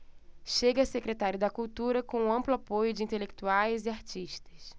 chega a secretário da cultura com amplo apoio de intelectuais e artistas